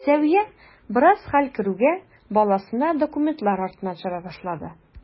Сәвия, бераз хәл керүгә, баласына документлар артыннан чаба башлады.